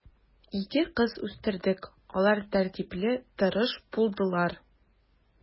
Ике кыз үстердек, алар тәртипле, тырыш булдылар.